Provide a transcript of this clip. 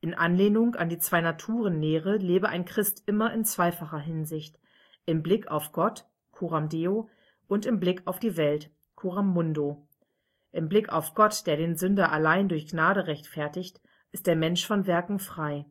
In Anlehnung an die Zwei-Naturen-Lehre lebe ein Christ immer in zweifacher Hinsicht: Im Blick auf Gott (coram Deo) und im Blick auf die Welt (coram mundo). Im Blick auf Gott, der den Sünder allein durch Gnade rechtfertigt, ist der Mensch von Werken frei